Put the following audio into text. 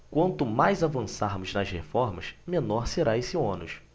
quanto mais avançarmos nas reformas menor será esse ônus